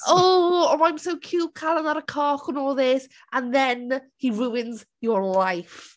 S- Oh oh I'm so cute calon ar y coc and all this and then he ruins your life.